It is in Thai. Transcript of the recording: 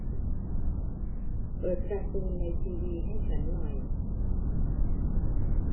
เปิดการ์ตูนในทีวีให้ฉันหน่อย